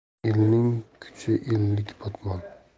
elning kuchi ellik botmon